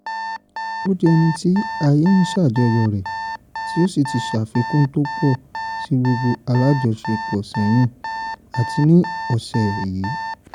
Ó jẹ́ ẹni tí ayé ń ṣàjọyọ̀ rẹ̀ tí ó sì ti ṣàfikún tó pọ̀ sí gbogbo alájọsẹpọ̀ ṣẹ́yìn, àti ní ọ̀ṣẹ̀ yìí.